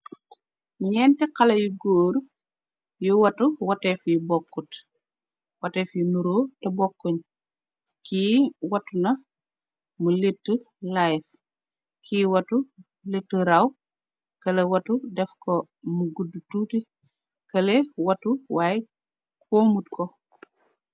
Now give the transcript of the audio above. Ñénti xalèh gór yu watu, wateef yu bokut, wateef yu niro tek bokuñ. Ki watu na mu lèttu layif,.ki watu lèttu raw, kaleh watu dèf ko mu guddu tutti, kaleh watu way komut ko.